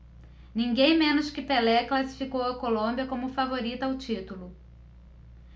ninguém menos que pelé classificou a colômbia como favorita ao título